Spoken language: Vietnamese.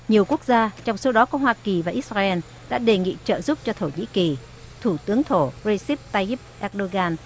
nhiều quốc gia trong số đó có hoa kỳ và ích sai ren đã đề nghị trợ giúp cho thổ nhĩ kỳ thủ tướng thổ rây xíp tai íp ác đu gan